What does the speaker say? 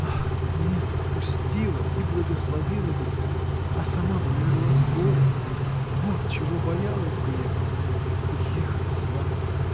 — Ах нет, пустила и благословила бы, а сама бы умерла с горя! вот чего боялась бы я!. Уехать с вами!